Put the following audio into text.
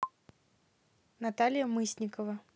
наталья мысникова